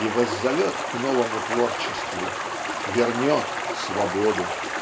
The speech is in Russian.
и воззовет к новому творчеству вернет свободу.